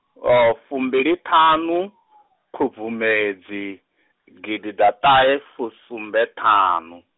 fumbiliṱhanu, Khubvumedzi, gidiḓaṱahefusumbeṱhanu.